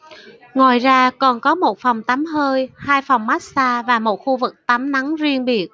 ngoài ra còn có một phòng tắm hơi hai phòng massage và một khu vực tắm nắng riêng biệt